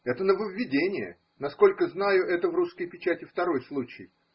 Это нововведение: насколько знаю, это в русской печати второй случай.